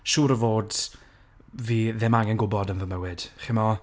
siŵr o fod, fi ddim angen gwbod yn fy mywyd. Chimod?